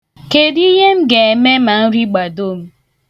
Kedụ ihe m ga-eme ma nri gbado m?